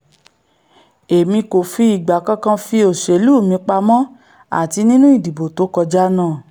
Èmi kòfi ìgbà kankan fi òṣèlú mi pamọ́, àti nínú ìdìbò tókọjá náà.